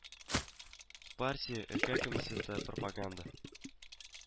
Партия өлкә комитеты пропаганда